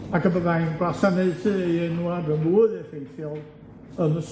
ac y byddai'n gwasanaethu ei enwad yn fwy effeithiol yn y